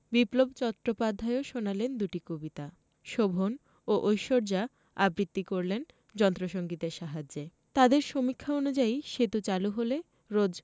বিপ্লব চট্টোপাধ্যায়ও শোনালেন দুটি কবিতা শোভন ও ঐশ্বর্যা আবৃত্তি করলেন যন্ত্রসংগীতের সাহায্যে তাঁদের সমীক্ষা অনু্যায়ী সেতু চালু হলে রোজ